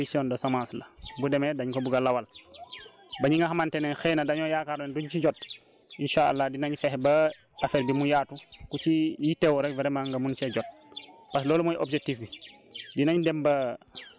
waaye na nit ñi comprendre que ne lii d' abord production de semence la bu demee dañ ko bugg a lawal ba ñi nga xamante ne xëy na dañoo yaakaaroon duñ ci jot incha allah dinañu fexe ba affaire bi mu yaatu ku ci yittewoo rek vraiment nga mun cee jot